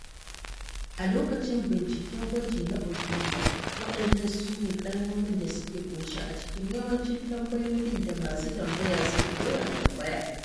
A lokacin binciken gwaji na Uliza, waɗannan su ne kalmomin da suke ƙunshe a cikin yawancin tambayoyin da masu amfani suke yawan tambaya (da aka fassara daga Swahili zuwa Ingilishi).